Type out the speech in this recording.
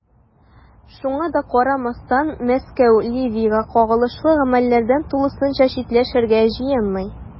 Шуңа да карамастан, Мәскәү Ливиягә кагылышлы гамәлләрдән тулысынча читләшергә җыенмый.